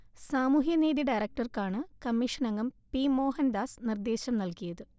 സാമൂഹ്യനീതി ഡയറക്ടർക്കാണ് കമ്മിഷൻ അംഗം പി മോഹൻദാസ് നിർദേശം നൽകിയത്